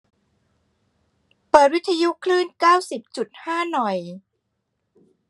เปิดวิทยุคลื่นเก้าสิบจุดห้าหน่อย